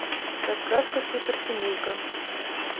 раскраска супер семейка